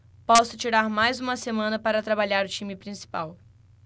posso tirar mais uma semana para trabalhar o time principal